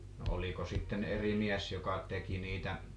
no oliko sitten eri mies joka teki niitä